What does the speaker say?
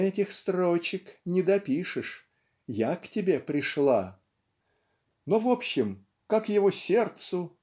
- "этих строчек не допишешь: я к тебе пришла" но в общем как его сердцу